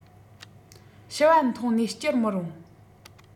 ཤི བ མཐོང ནས སྐྱུར མི རུང